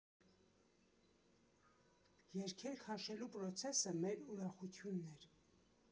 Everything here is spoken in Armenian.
Երգեր քաշելու պրոցեսը մեր ուրախությունն էր։